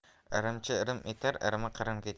irimchi irim etar irimi qirin ketar